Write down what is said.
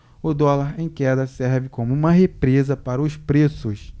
o dólar em queda serve como uma represa para os preços